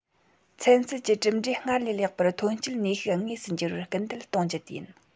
ཚན རྩལ གྱི གྲུབ འབྲས སྔར ལས ལེགས པར ཐོན སྐྱེད ནུས ཤུགས དངོས སུ འགྱུར བར སྐུལ འདེད གཏོང རྒྱུ ཡིན